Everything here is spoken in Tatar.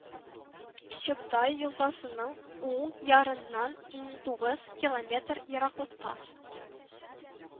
Чебдай елгасының уң ярыннан ун тугыз километр ераклыкта